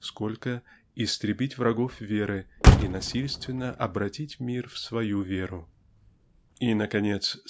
сколько--истребить врагов веры и насильственно обратить мир в свою веру. И наконец